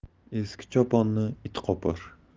eski choponni it qopar